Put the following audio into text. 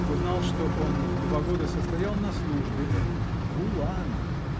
узнал, что он два года состоял на службе (в уланах!